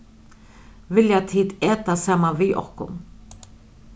vilja tit eta saman við okkum